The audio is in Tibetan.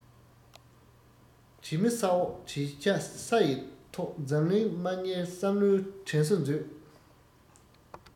བྲིས མི ས འོག བྲིས ཆ ས ཡི ཐོག འཛམ གླིང མ བསྙེལ བསམ བློའི དྲན གསོ མཛོད